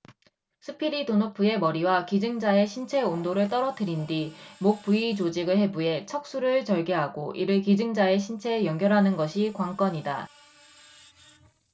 스피리도노프의 머리와 기증자의 신체 온도를 떨어뜨린뒤 목 부위 조직을 해부해 척수를 절개하고 이를 기증자의 신체에 연결하는 것이 관건이다